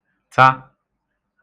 ta